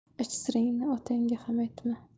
ich siringni otangga ham aytma